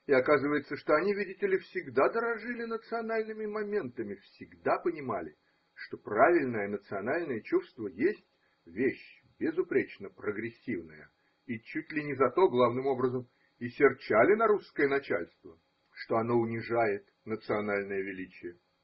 И оказывается, что они, видите ли, всегда дорожили национальными моментами, всегда понимали, что правильное национальное чувство есть вещь безупречнопрогрессивная, и чуть ли не за то, главным образом, и серчали на русское начальство, что оно унижает национальное величие!